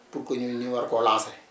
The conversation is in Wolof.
pour que ñu ñu war koo lancer